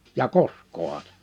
ja koskeehan se